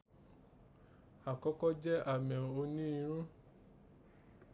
Àkọ́kọ́ jẹ́ àmẹ̀ ọ̀nì irun